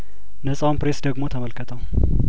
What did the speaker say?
ነጻውን ፕሬስ ደግሞ ተመልከተው